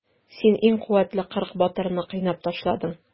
Син иң куәтле кырык батырны кыйнап ташладың.